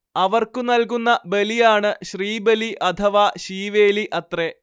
അവർക്ക് നൽകുന്ന ബലിയാണ് ശ്രീബലി അഥവാ ശീവേലി അത്രെ